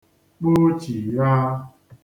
kpụchìgha